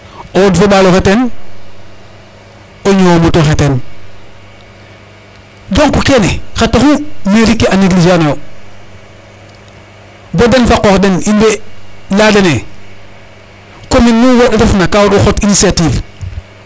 o wod fo o ɓaal oxey teen, o ñoow oxey teen donc kene xa taxu mairie ke a négliger anooyo bo den fa qoox den in way layaa den ee commune nu refna ka war o xot initiative.